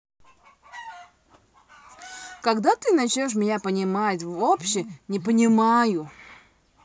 когда ты начнешь меня понимать вообще не понимаю